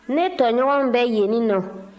ne tɔɲɔgɔnw bɛ yenninnɔ